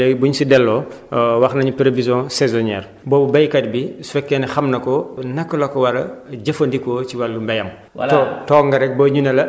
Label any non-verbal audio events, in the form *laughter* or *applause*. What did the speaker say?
ci wàllu *hesitation* prévisions yooyu bu ñu si delloo *hesitation* wax nañ prévision saisonnière boobu béykat bi su fekkee ne xam na ko naka la ko war a jëfandikoo ci wàllu mbéyam